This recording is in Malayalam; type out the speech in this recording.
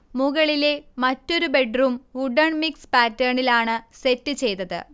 മുകളിലെ മെറ്റാരു ബെഡ്റൂം വുഡൻ മിക്സ് പാറ്റേണിലാണ് സെറ്റ് ചെയ്തത്